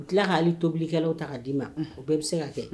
U tila k'ale tobilikɛlawlaw ta k' d'i ma o bɛɛ bɛ se ka kɛ